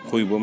xuy boobu